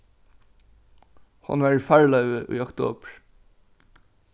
hon var í farloyvi í oktobur